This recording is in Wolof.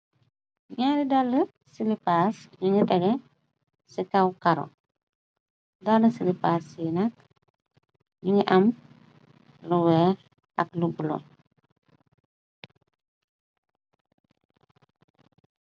Naari dalla ci li paas ñunu tage ci caw caro daala ci li paas ci nak mogi am lu weer ak lu bulo.